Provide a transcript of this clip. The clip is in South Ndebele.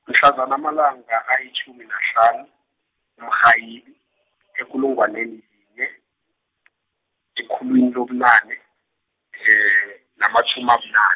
mhlazana amalanga ayitjhumi nahlanu, kuMrhayili , ekulungwaneni yinye , ekhulwini lobunane, namatjhumi abunan-.